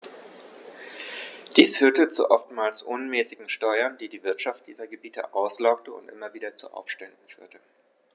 Dies führte zu oftmals unmäßigen Steuern, die die Wirtschaft dieser Gebiete auslaugte und immer wieder zu Aufständen führte.